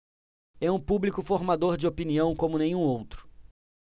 é um público formador de opinião como nenhum outro